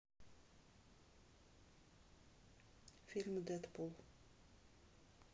фильм дэдпул